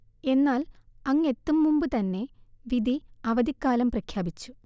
എന്നാൽ അങ്ങെത്തും മുമ്പുതന്നെ വിധി അവധിക്കാലം പ്രഖ്യാപിച്ചു